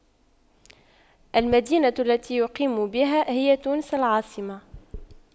المدينة التي يقيم بها هي تونس العاصمة